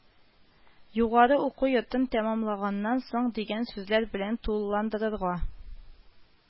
Югары уку йортын тәмамлаганнан соң дигән сүзләр белән тулыландырырга